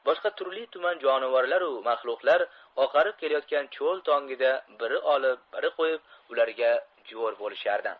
boshqa turli tuman jonivorlaru mahluqlar oqarib kelayotgan cho'l tongida biri olib biri qo'yib ularga jo'r bo'lishardi